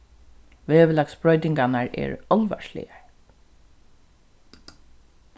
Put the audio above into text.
veðurlagsbroytingarnar eru álvarsligar